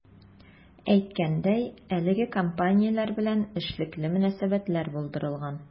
Әйткәндәй, әлеге компанияләр белән эшлекле мөнәсәбәтләр булдырылган.